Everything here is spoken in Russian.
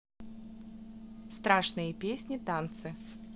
страшные песни танцы